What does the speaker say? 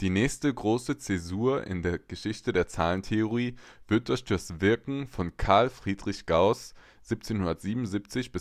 nächste große Zäsur in der Geschichte der Zahlentheorie wird durch das Wirken von Carl Friedrich Gauß (1777